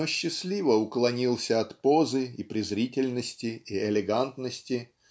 он счастливо уклонился от позы и презрительности и элегантности